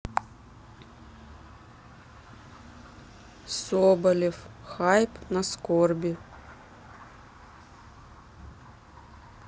соболев хайп на скорби